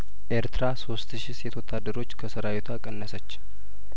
ኤርትራ ሶስት ሺ ሴት ወታደሮች ከሰራዊቷ ቀነሰች